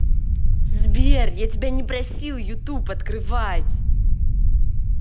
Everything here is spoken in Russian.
сбер я тебя не просил youtube открывать